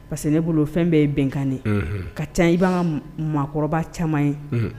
Parce que ne bolo fɛn bɛɛ ye bɛnkan ka ca i b' ka mɔgɔkɔrɔba caman ye